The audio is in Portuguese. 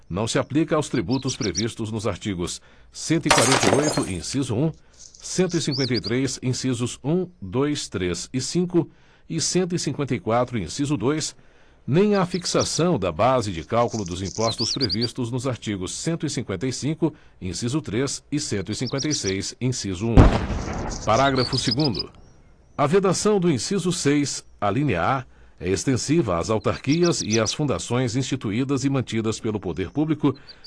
não se aplica aos tributos previstos nos artigos cento e quarenta e oito inciso um cento e cinquenta e três incisos um dois três e cinco e cento e cinquenta e quatro inciso dois nem à fixação da base de cálculo dos impostos previstos nos artigos cento e cinquenta e cinco inciso três e cento e cinquenta e seis inciso um parágrafo segundo a vedação do inciso seis alínea a é extensiva às autarquias e às fundações instituídas e mantidas pelo poder público